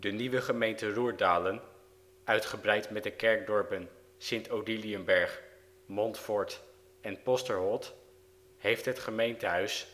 nieuwe gemeente Roerdalen, uitgebreid met de kerkdorpen Sint Odiliënberg, Montfort en Posterholt, heeft het gemeentehuis